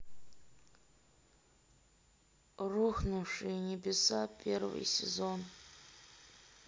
рухнувшие небеса первый сезон